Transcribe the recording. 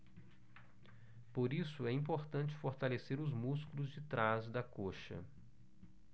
por isso é importante fortalecer os músculos de trás da coxa